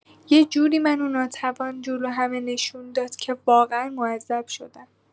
یه جوری منو ناتوان جلو همه نشون داد که واقعا معذب شدم.